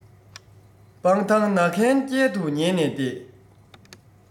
སྤང ཐང ན གན རྐྱལ དུ ཉལ ནས བསྡད